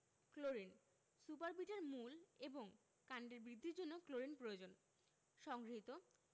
chlorine সুপারবিট এর মূল এবং কাণ্ডের বৃদ্ধির জন্য ক্লোরিন প্রয়োজন সংগৃহীত